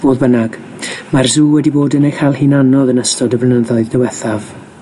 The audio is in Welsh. Fodd bynnag, mae'r sw wedi bod yn ei cha'l hi'n anodd yn ystod y blynyddoedd diwethaf.